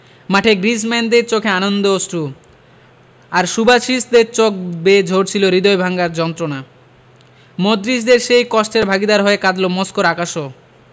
মাঠে গ্রিজমানদের চোখে আনন্দ অশ্রু আর সুবাসিচদের চোখ বেয়ে ঝরছিল হৃদয় ভাঙার যন্ত্রণা মডরিচদের সেই কষ্টের ভাগিদার হয়ে কাঁদল মস্কোর আকাশও